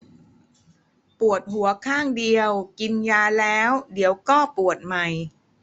ปวดหัวข้างเดียวกินยาแล้วเดี๋ยวก็ปวดใหม่